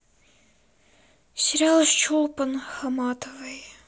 сериал с чулпан хаматовой